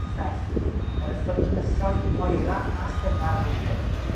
ffres 'da ni yn ystod misoedd oera a llyma'r flwyddyn.